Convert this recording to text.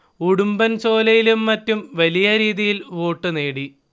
ഉടുമ്പന്‍ ചോലയിലും മറ്റും വലിയ രീതിയിൽ വോട്ട് നേടി